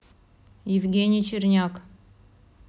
евгений черняк